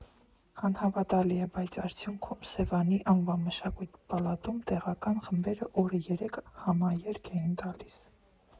Անհավատալի է, բայց արդյունքում Սևյանի անվան մշակույթի պալատում տեղական խմբերը օրը երեք համաերգ էին տալիս։